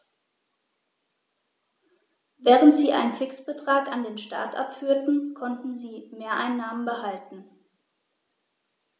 Während sie einen Fixbetrag an den Staat abführten, konnten sie Mehreinnahmen behalten.